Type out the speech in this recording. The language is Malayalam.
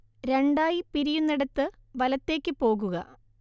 രണ്ടായി പിരിയുന്നിടത്ത് വലത്തേക്ക് പോകുക